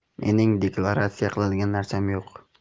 mening deklaratsiya qiladigan narsam yo'q